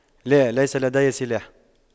لا ليس لدي سلاح